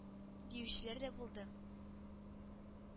Диючеләр дә булды.